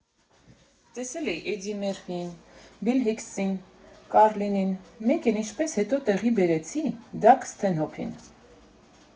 Տեսել էի Էդդի Մըրֆիին, Բիլ Հիքսին, Կառլինին, մեկ էլ, ինչպես հետո տեղը բերեցի, Դագ Սթենհոփին։